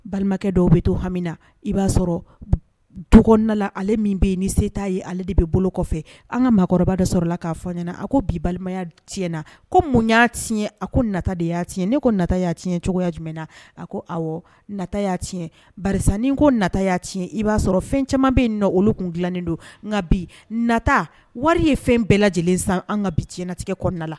Balimakɛ dɔw bɛ to hami na i b'a sɔrɔ dɔgɔnla ale min bɛ ni se t'a ye ale de bɛ bolo kɔfɛ an ka mɔgɔkɔrɔba dɔ sɔrɔla la k'a fɔ n ɲɛna a ko bi balimaya ti na ko mun y'a ti a nata de y'a tiɲɛ ne ko nata y'a tiɲɛ cogoyaya jumɛnɛna a ko nata y'a ti tiɲɛ ba ni ko nata y' ti i b'a sɔrɔ fɛn caman bɛ na olu tun dilanen don nka bi nata wari ye fɛn bɛɛ lajɛlen san an ka bi tiɲɛnatigɛ kɔnɔna la